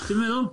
Ti'm yn meddwl?